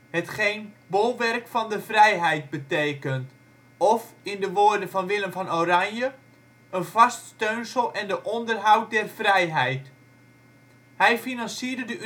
hetgeen " bolwerk van de vrijheid " betekent, of in de woorden van Willem van Oranje: " een vast steunsel ende onderhoudt der vryheyt ". Hij financierde de universiteit